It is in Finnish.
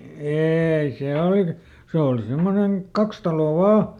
ei se - se oli semmoinen kaksi taloa vain